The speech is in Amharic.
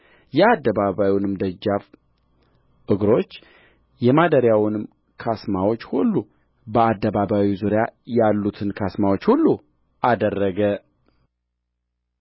የአደባባዩንም ደጃፍ እግሮች የማደሪያውንም ካስማዎች ሁሉ በአደባባዩ ዙሪያም ያሉትን ካስማዎች ሁሉ አደረገ